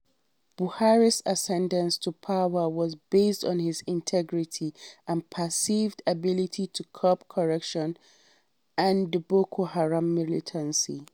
Buhari's ascendance to power was based on his integrity and perceived ability to curb corruption and the Boko Haram militancy.